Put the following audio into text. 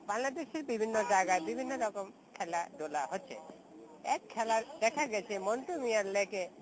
বাংলাদেশি বিভিন্ন জায়গায় বিভিন্ন রকম খেলাধুল হচ্ছো এক খেলা দেখা গেছে মন্টু মিয়ার লেগে